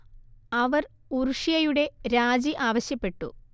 അവർ ഉറുഷ്യയുടെ രാജി ആവശ്യപ്പെട്ടു